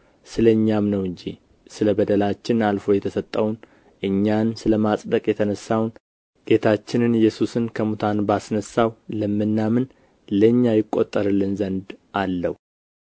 ስለ እኛም ነው እንጂ ስለ በደላችን አልፎ የተሰጠውን እኛን ስለ ማጽደቅም የተነሣውን ጌታንችንን ኢየሱስን ከሙታን ባስነሣው ለምናምን ለእኛ ይቈጠርልን ዘንድ አለው